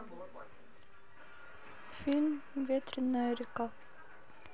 фильм ветренная река